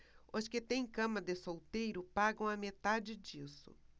os que têm cama de solteiro pagam a metade disso